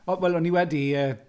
O wel o'n i wedi yy...